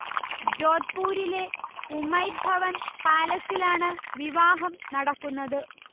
ജോധ്‌പൂരിലെ ഉമൈദ് ഭവൻ പാലസിലാണ് വിവാഹം നടക്കുന്നത്